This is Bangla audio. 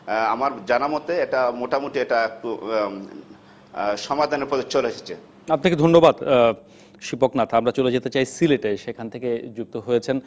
আমার জানামতে এটা মোটামুটি একটা সমাধানের পথে চলে এসেছে আপনাকে ধন্যবাদ শিপক নাথ আমরা চলে যেতে চাই সিলেটে সেখান থেকে যুক্ত হয়েছেন